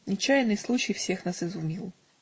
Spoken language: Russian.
Нечаянный случай всех нас изумил.